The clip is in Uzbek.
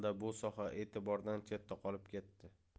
soha e'tibordan chetda qolib ketdi